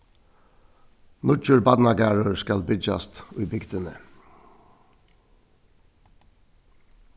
nýggjur barnagarður skal byggjast í bygdini